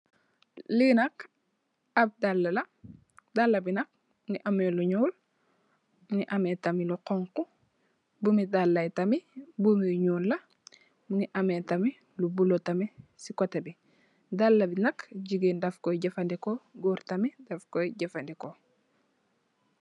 Lee nak ab dalle la dalle be nak muge ameh lu nuul muge ameh tamin lu xonxo bume dalla ye tamin bum yu nuul la muge ameh tamin lu bulo se koteh be dalla be nak jegain daf koye jufaneku goor tamin daf koye jufaneku.